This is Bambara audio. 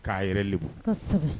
K'a yɛrɛlen